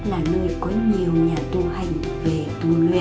là nơi có nhiều nhà tu hành về tu luyện